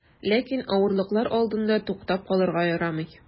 Ләкин авырлыклар алдында туктап калырга ярамый.